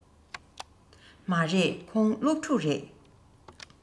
མ རེད ཁོང སློབ ཕྲུག རེད